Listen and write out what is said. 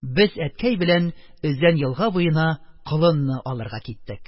Без әткәй белән Өзән елга буена колынны алырга киттек.